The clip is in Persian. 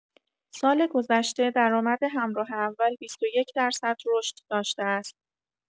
سال‌گذشته درآمد همراه اول ۲۱ درصد رشد داشته است.